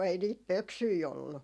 ei niitä pöksyjä ollut